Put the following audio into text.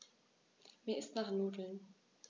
Mir ist nach Nudeln.